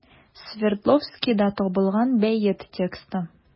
Свердловскида табылган бәет тексты.